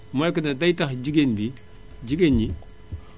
mooy que ne day tax jigéen bi jigéen ñi